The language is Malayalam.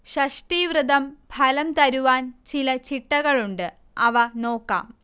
ഷഷ്ഠീവ്രതം ഫലം തരുവാൻ ചില ചിട്ടകളുണ്ട് അവ നോക്കാം